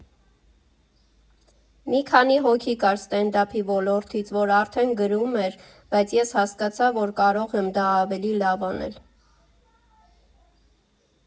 Մի քանի հոգի կար ստենդափի ոլորտից, որ արդեն գրում էր, բայց ես հասկացա, որ կարող եմ դա ավելի լավ անել։